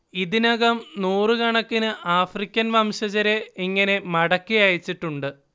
ഇതിനകം നൂറു കണക്കിന് ആഫ്രിക്കൻ വംശജരെ ഇങ്ങനെ മടക്കി അയച്ചിട്ടുണ്ട്